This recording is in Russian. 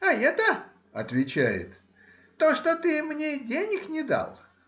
— А это,— отвечает,— то, что ты мне денег не дал.